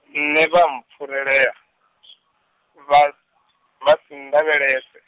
nṋe vha mpfuralela , vha, vhasi nndavhelese.